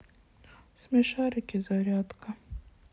смешарики зарядка